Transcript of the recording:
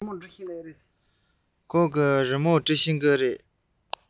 ཁོས རི མོ འབྲི ཤེས ཀྱི མིན འདུག གས